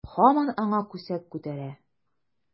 Һаман аңа күсәк күтәрә.